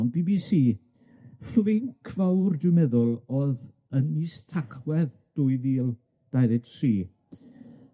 On' Bee Bee See fawr dwi'n meddwl o'dd yn mis Tachwedd dwy fil dau ddeg tri,